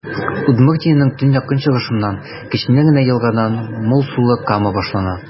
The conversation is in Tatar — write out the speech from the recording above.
Удмуртиянең төньяк-көнчыгышыннан, кечкенә генә елгадан, мул сулы Кама башлана.